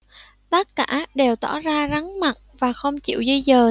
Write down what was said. tất cả đều tỏ ra rắn mặt và không chịu di dời